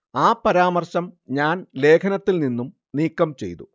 ആ പരാമർശം ഞാൻ ലേഖനത്തിൽ നിന്നും നീക്കം ചെയ്തു